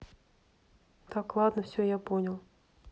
так ладно все я понял